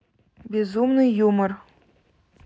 безумный юмор